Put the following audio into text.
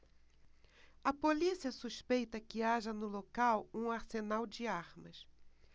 a polícia suspeita que haja no local um arsenal de armas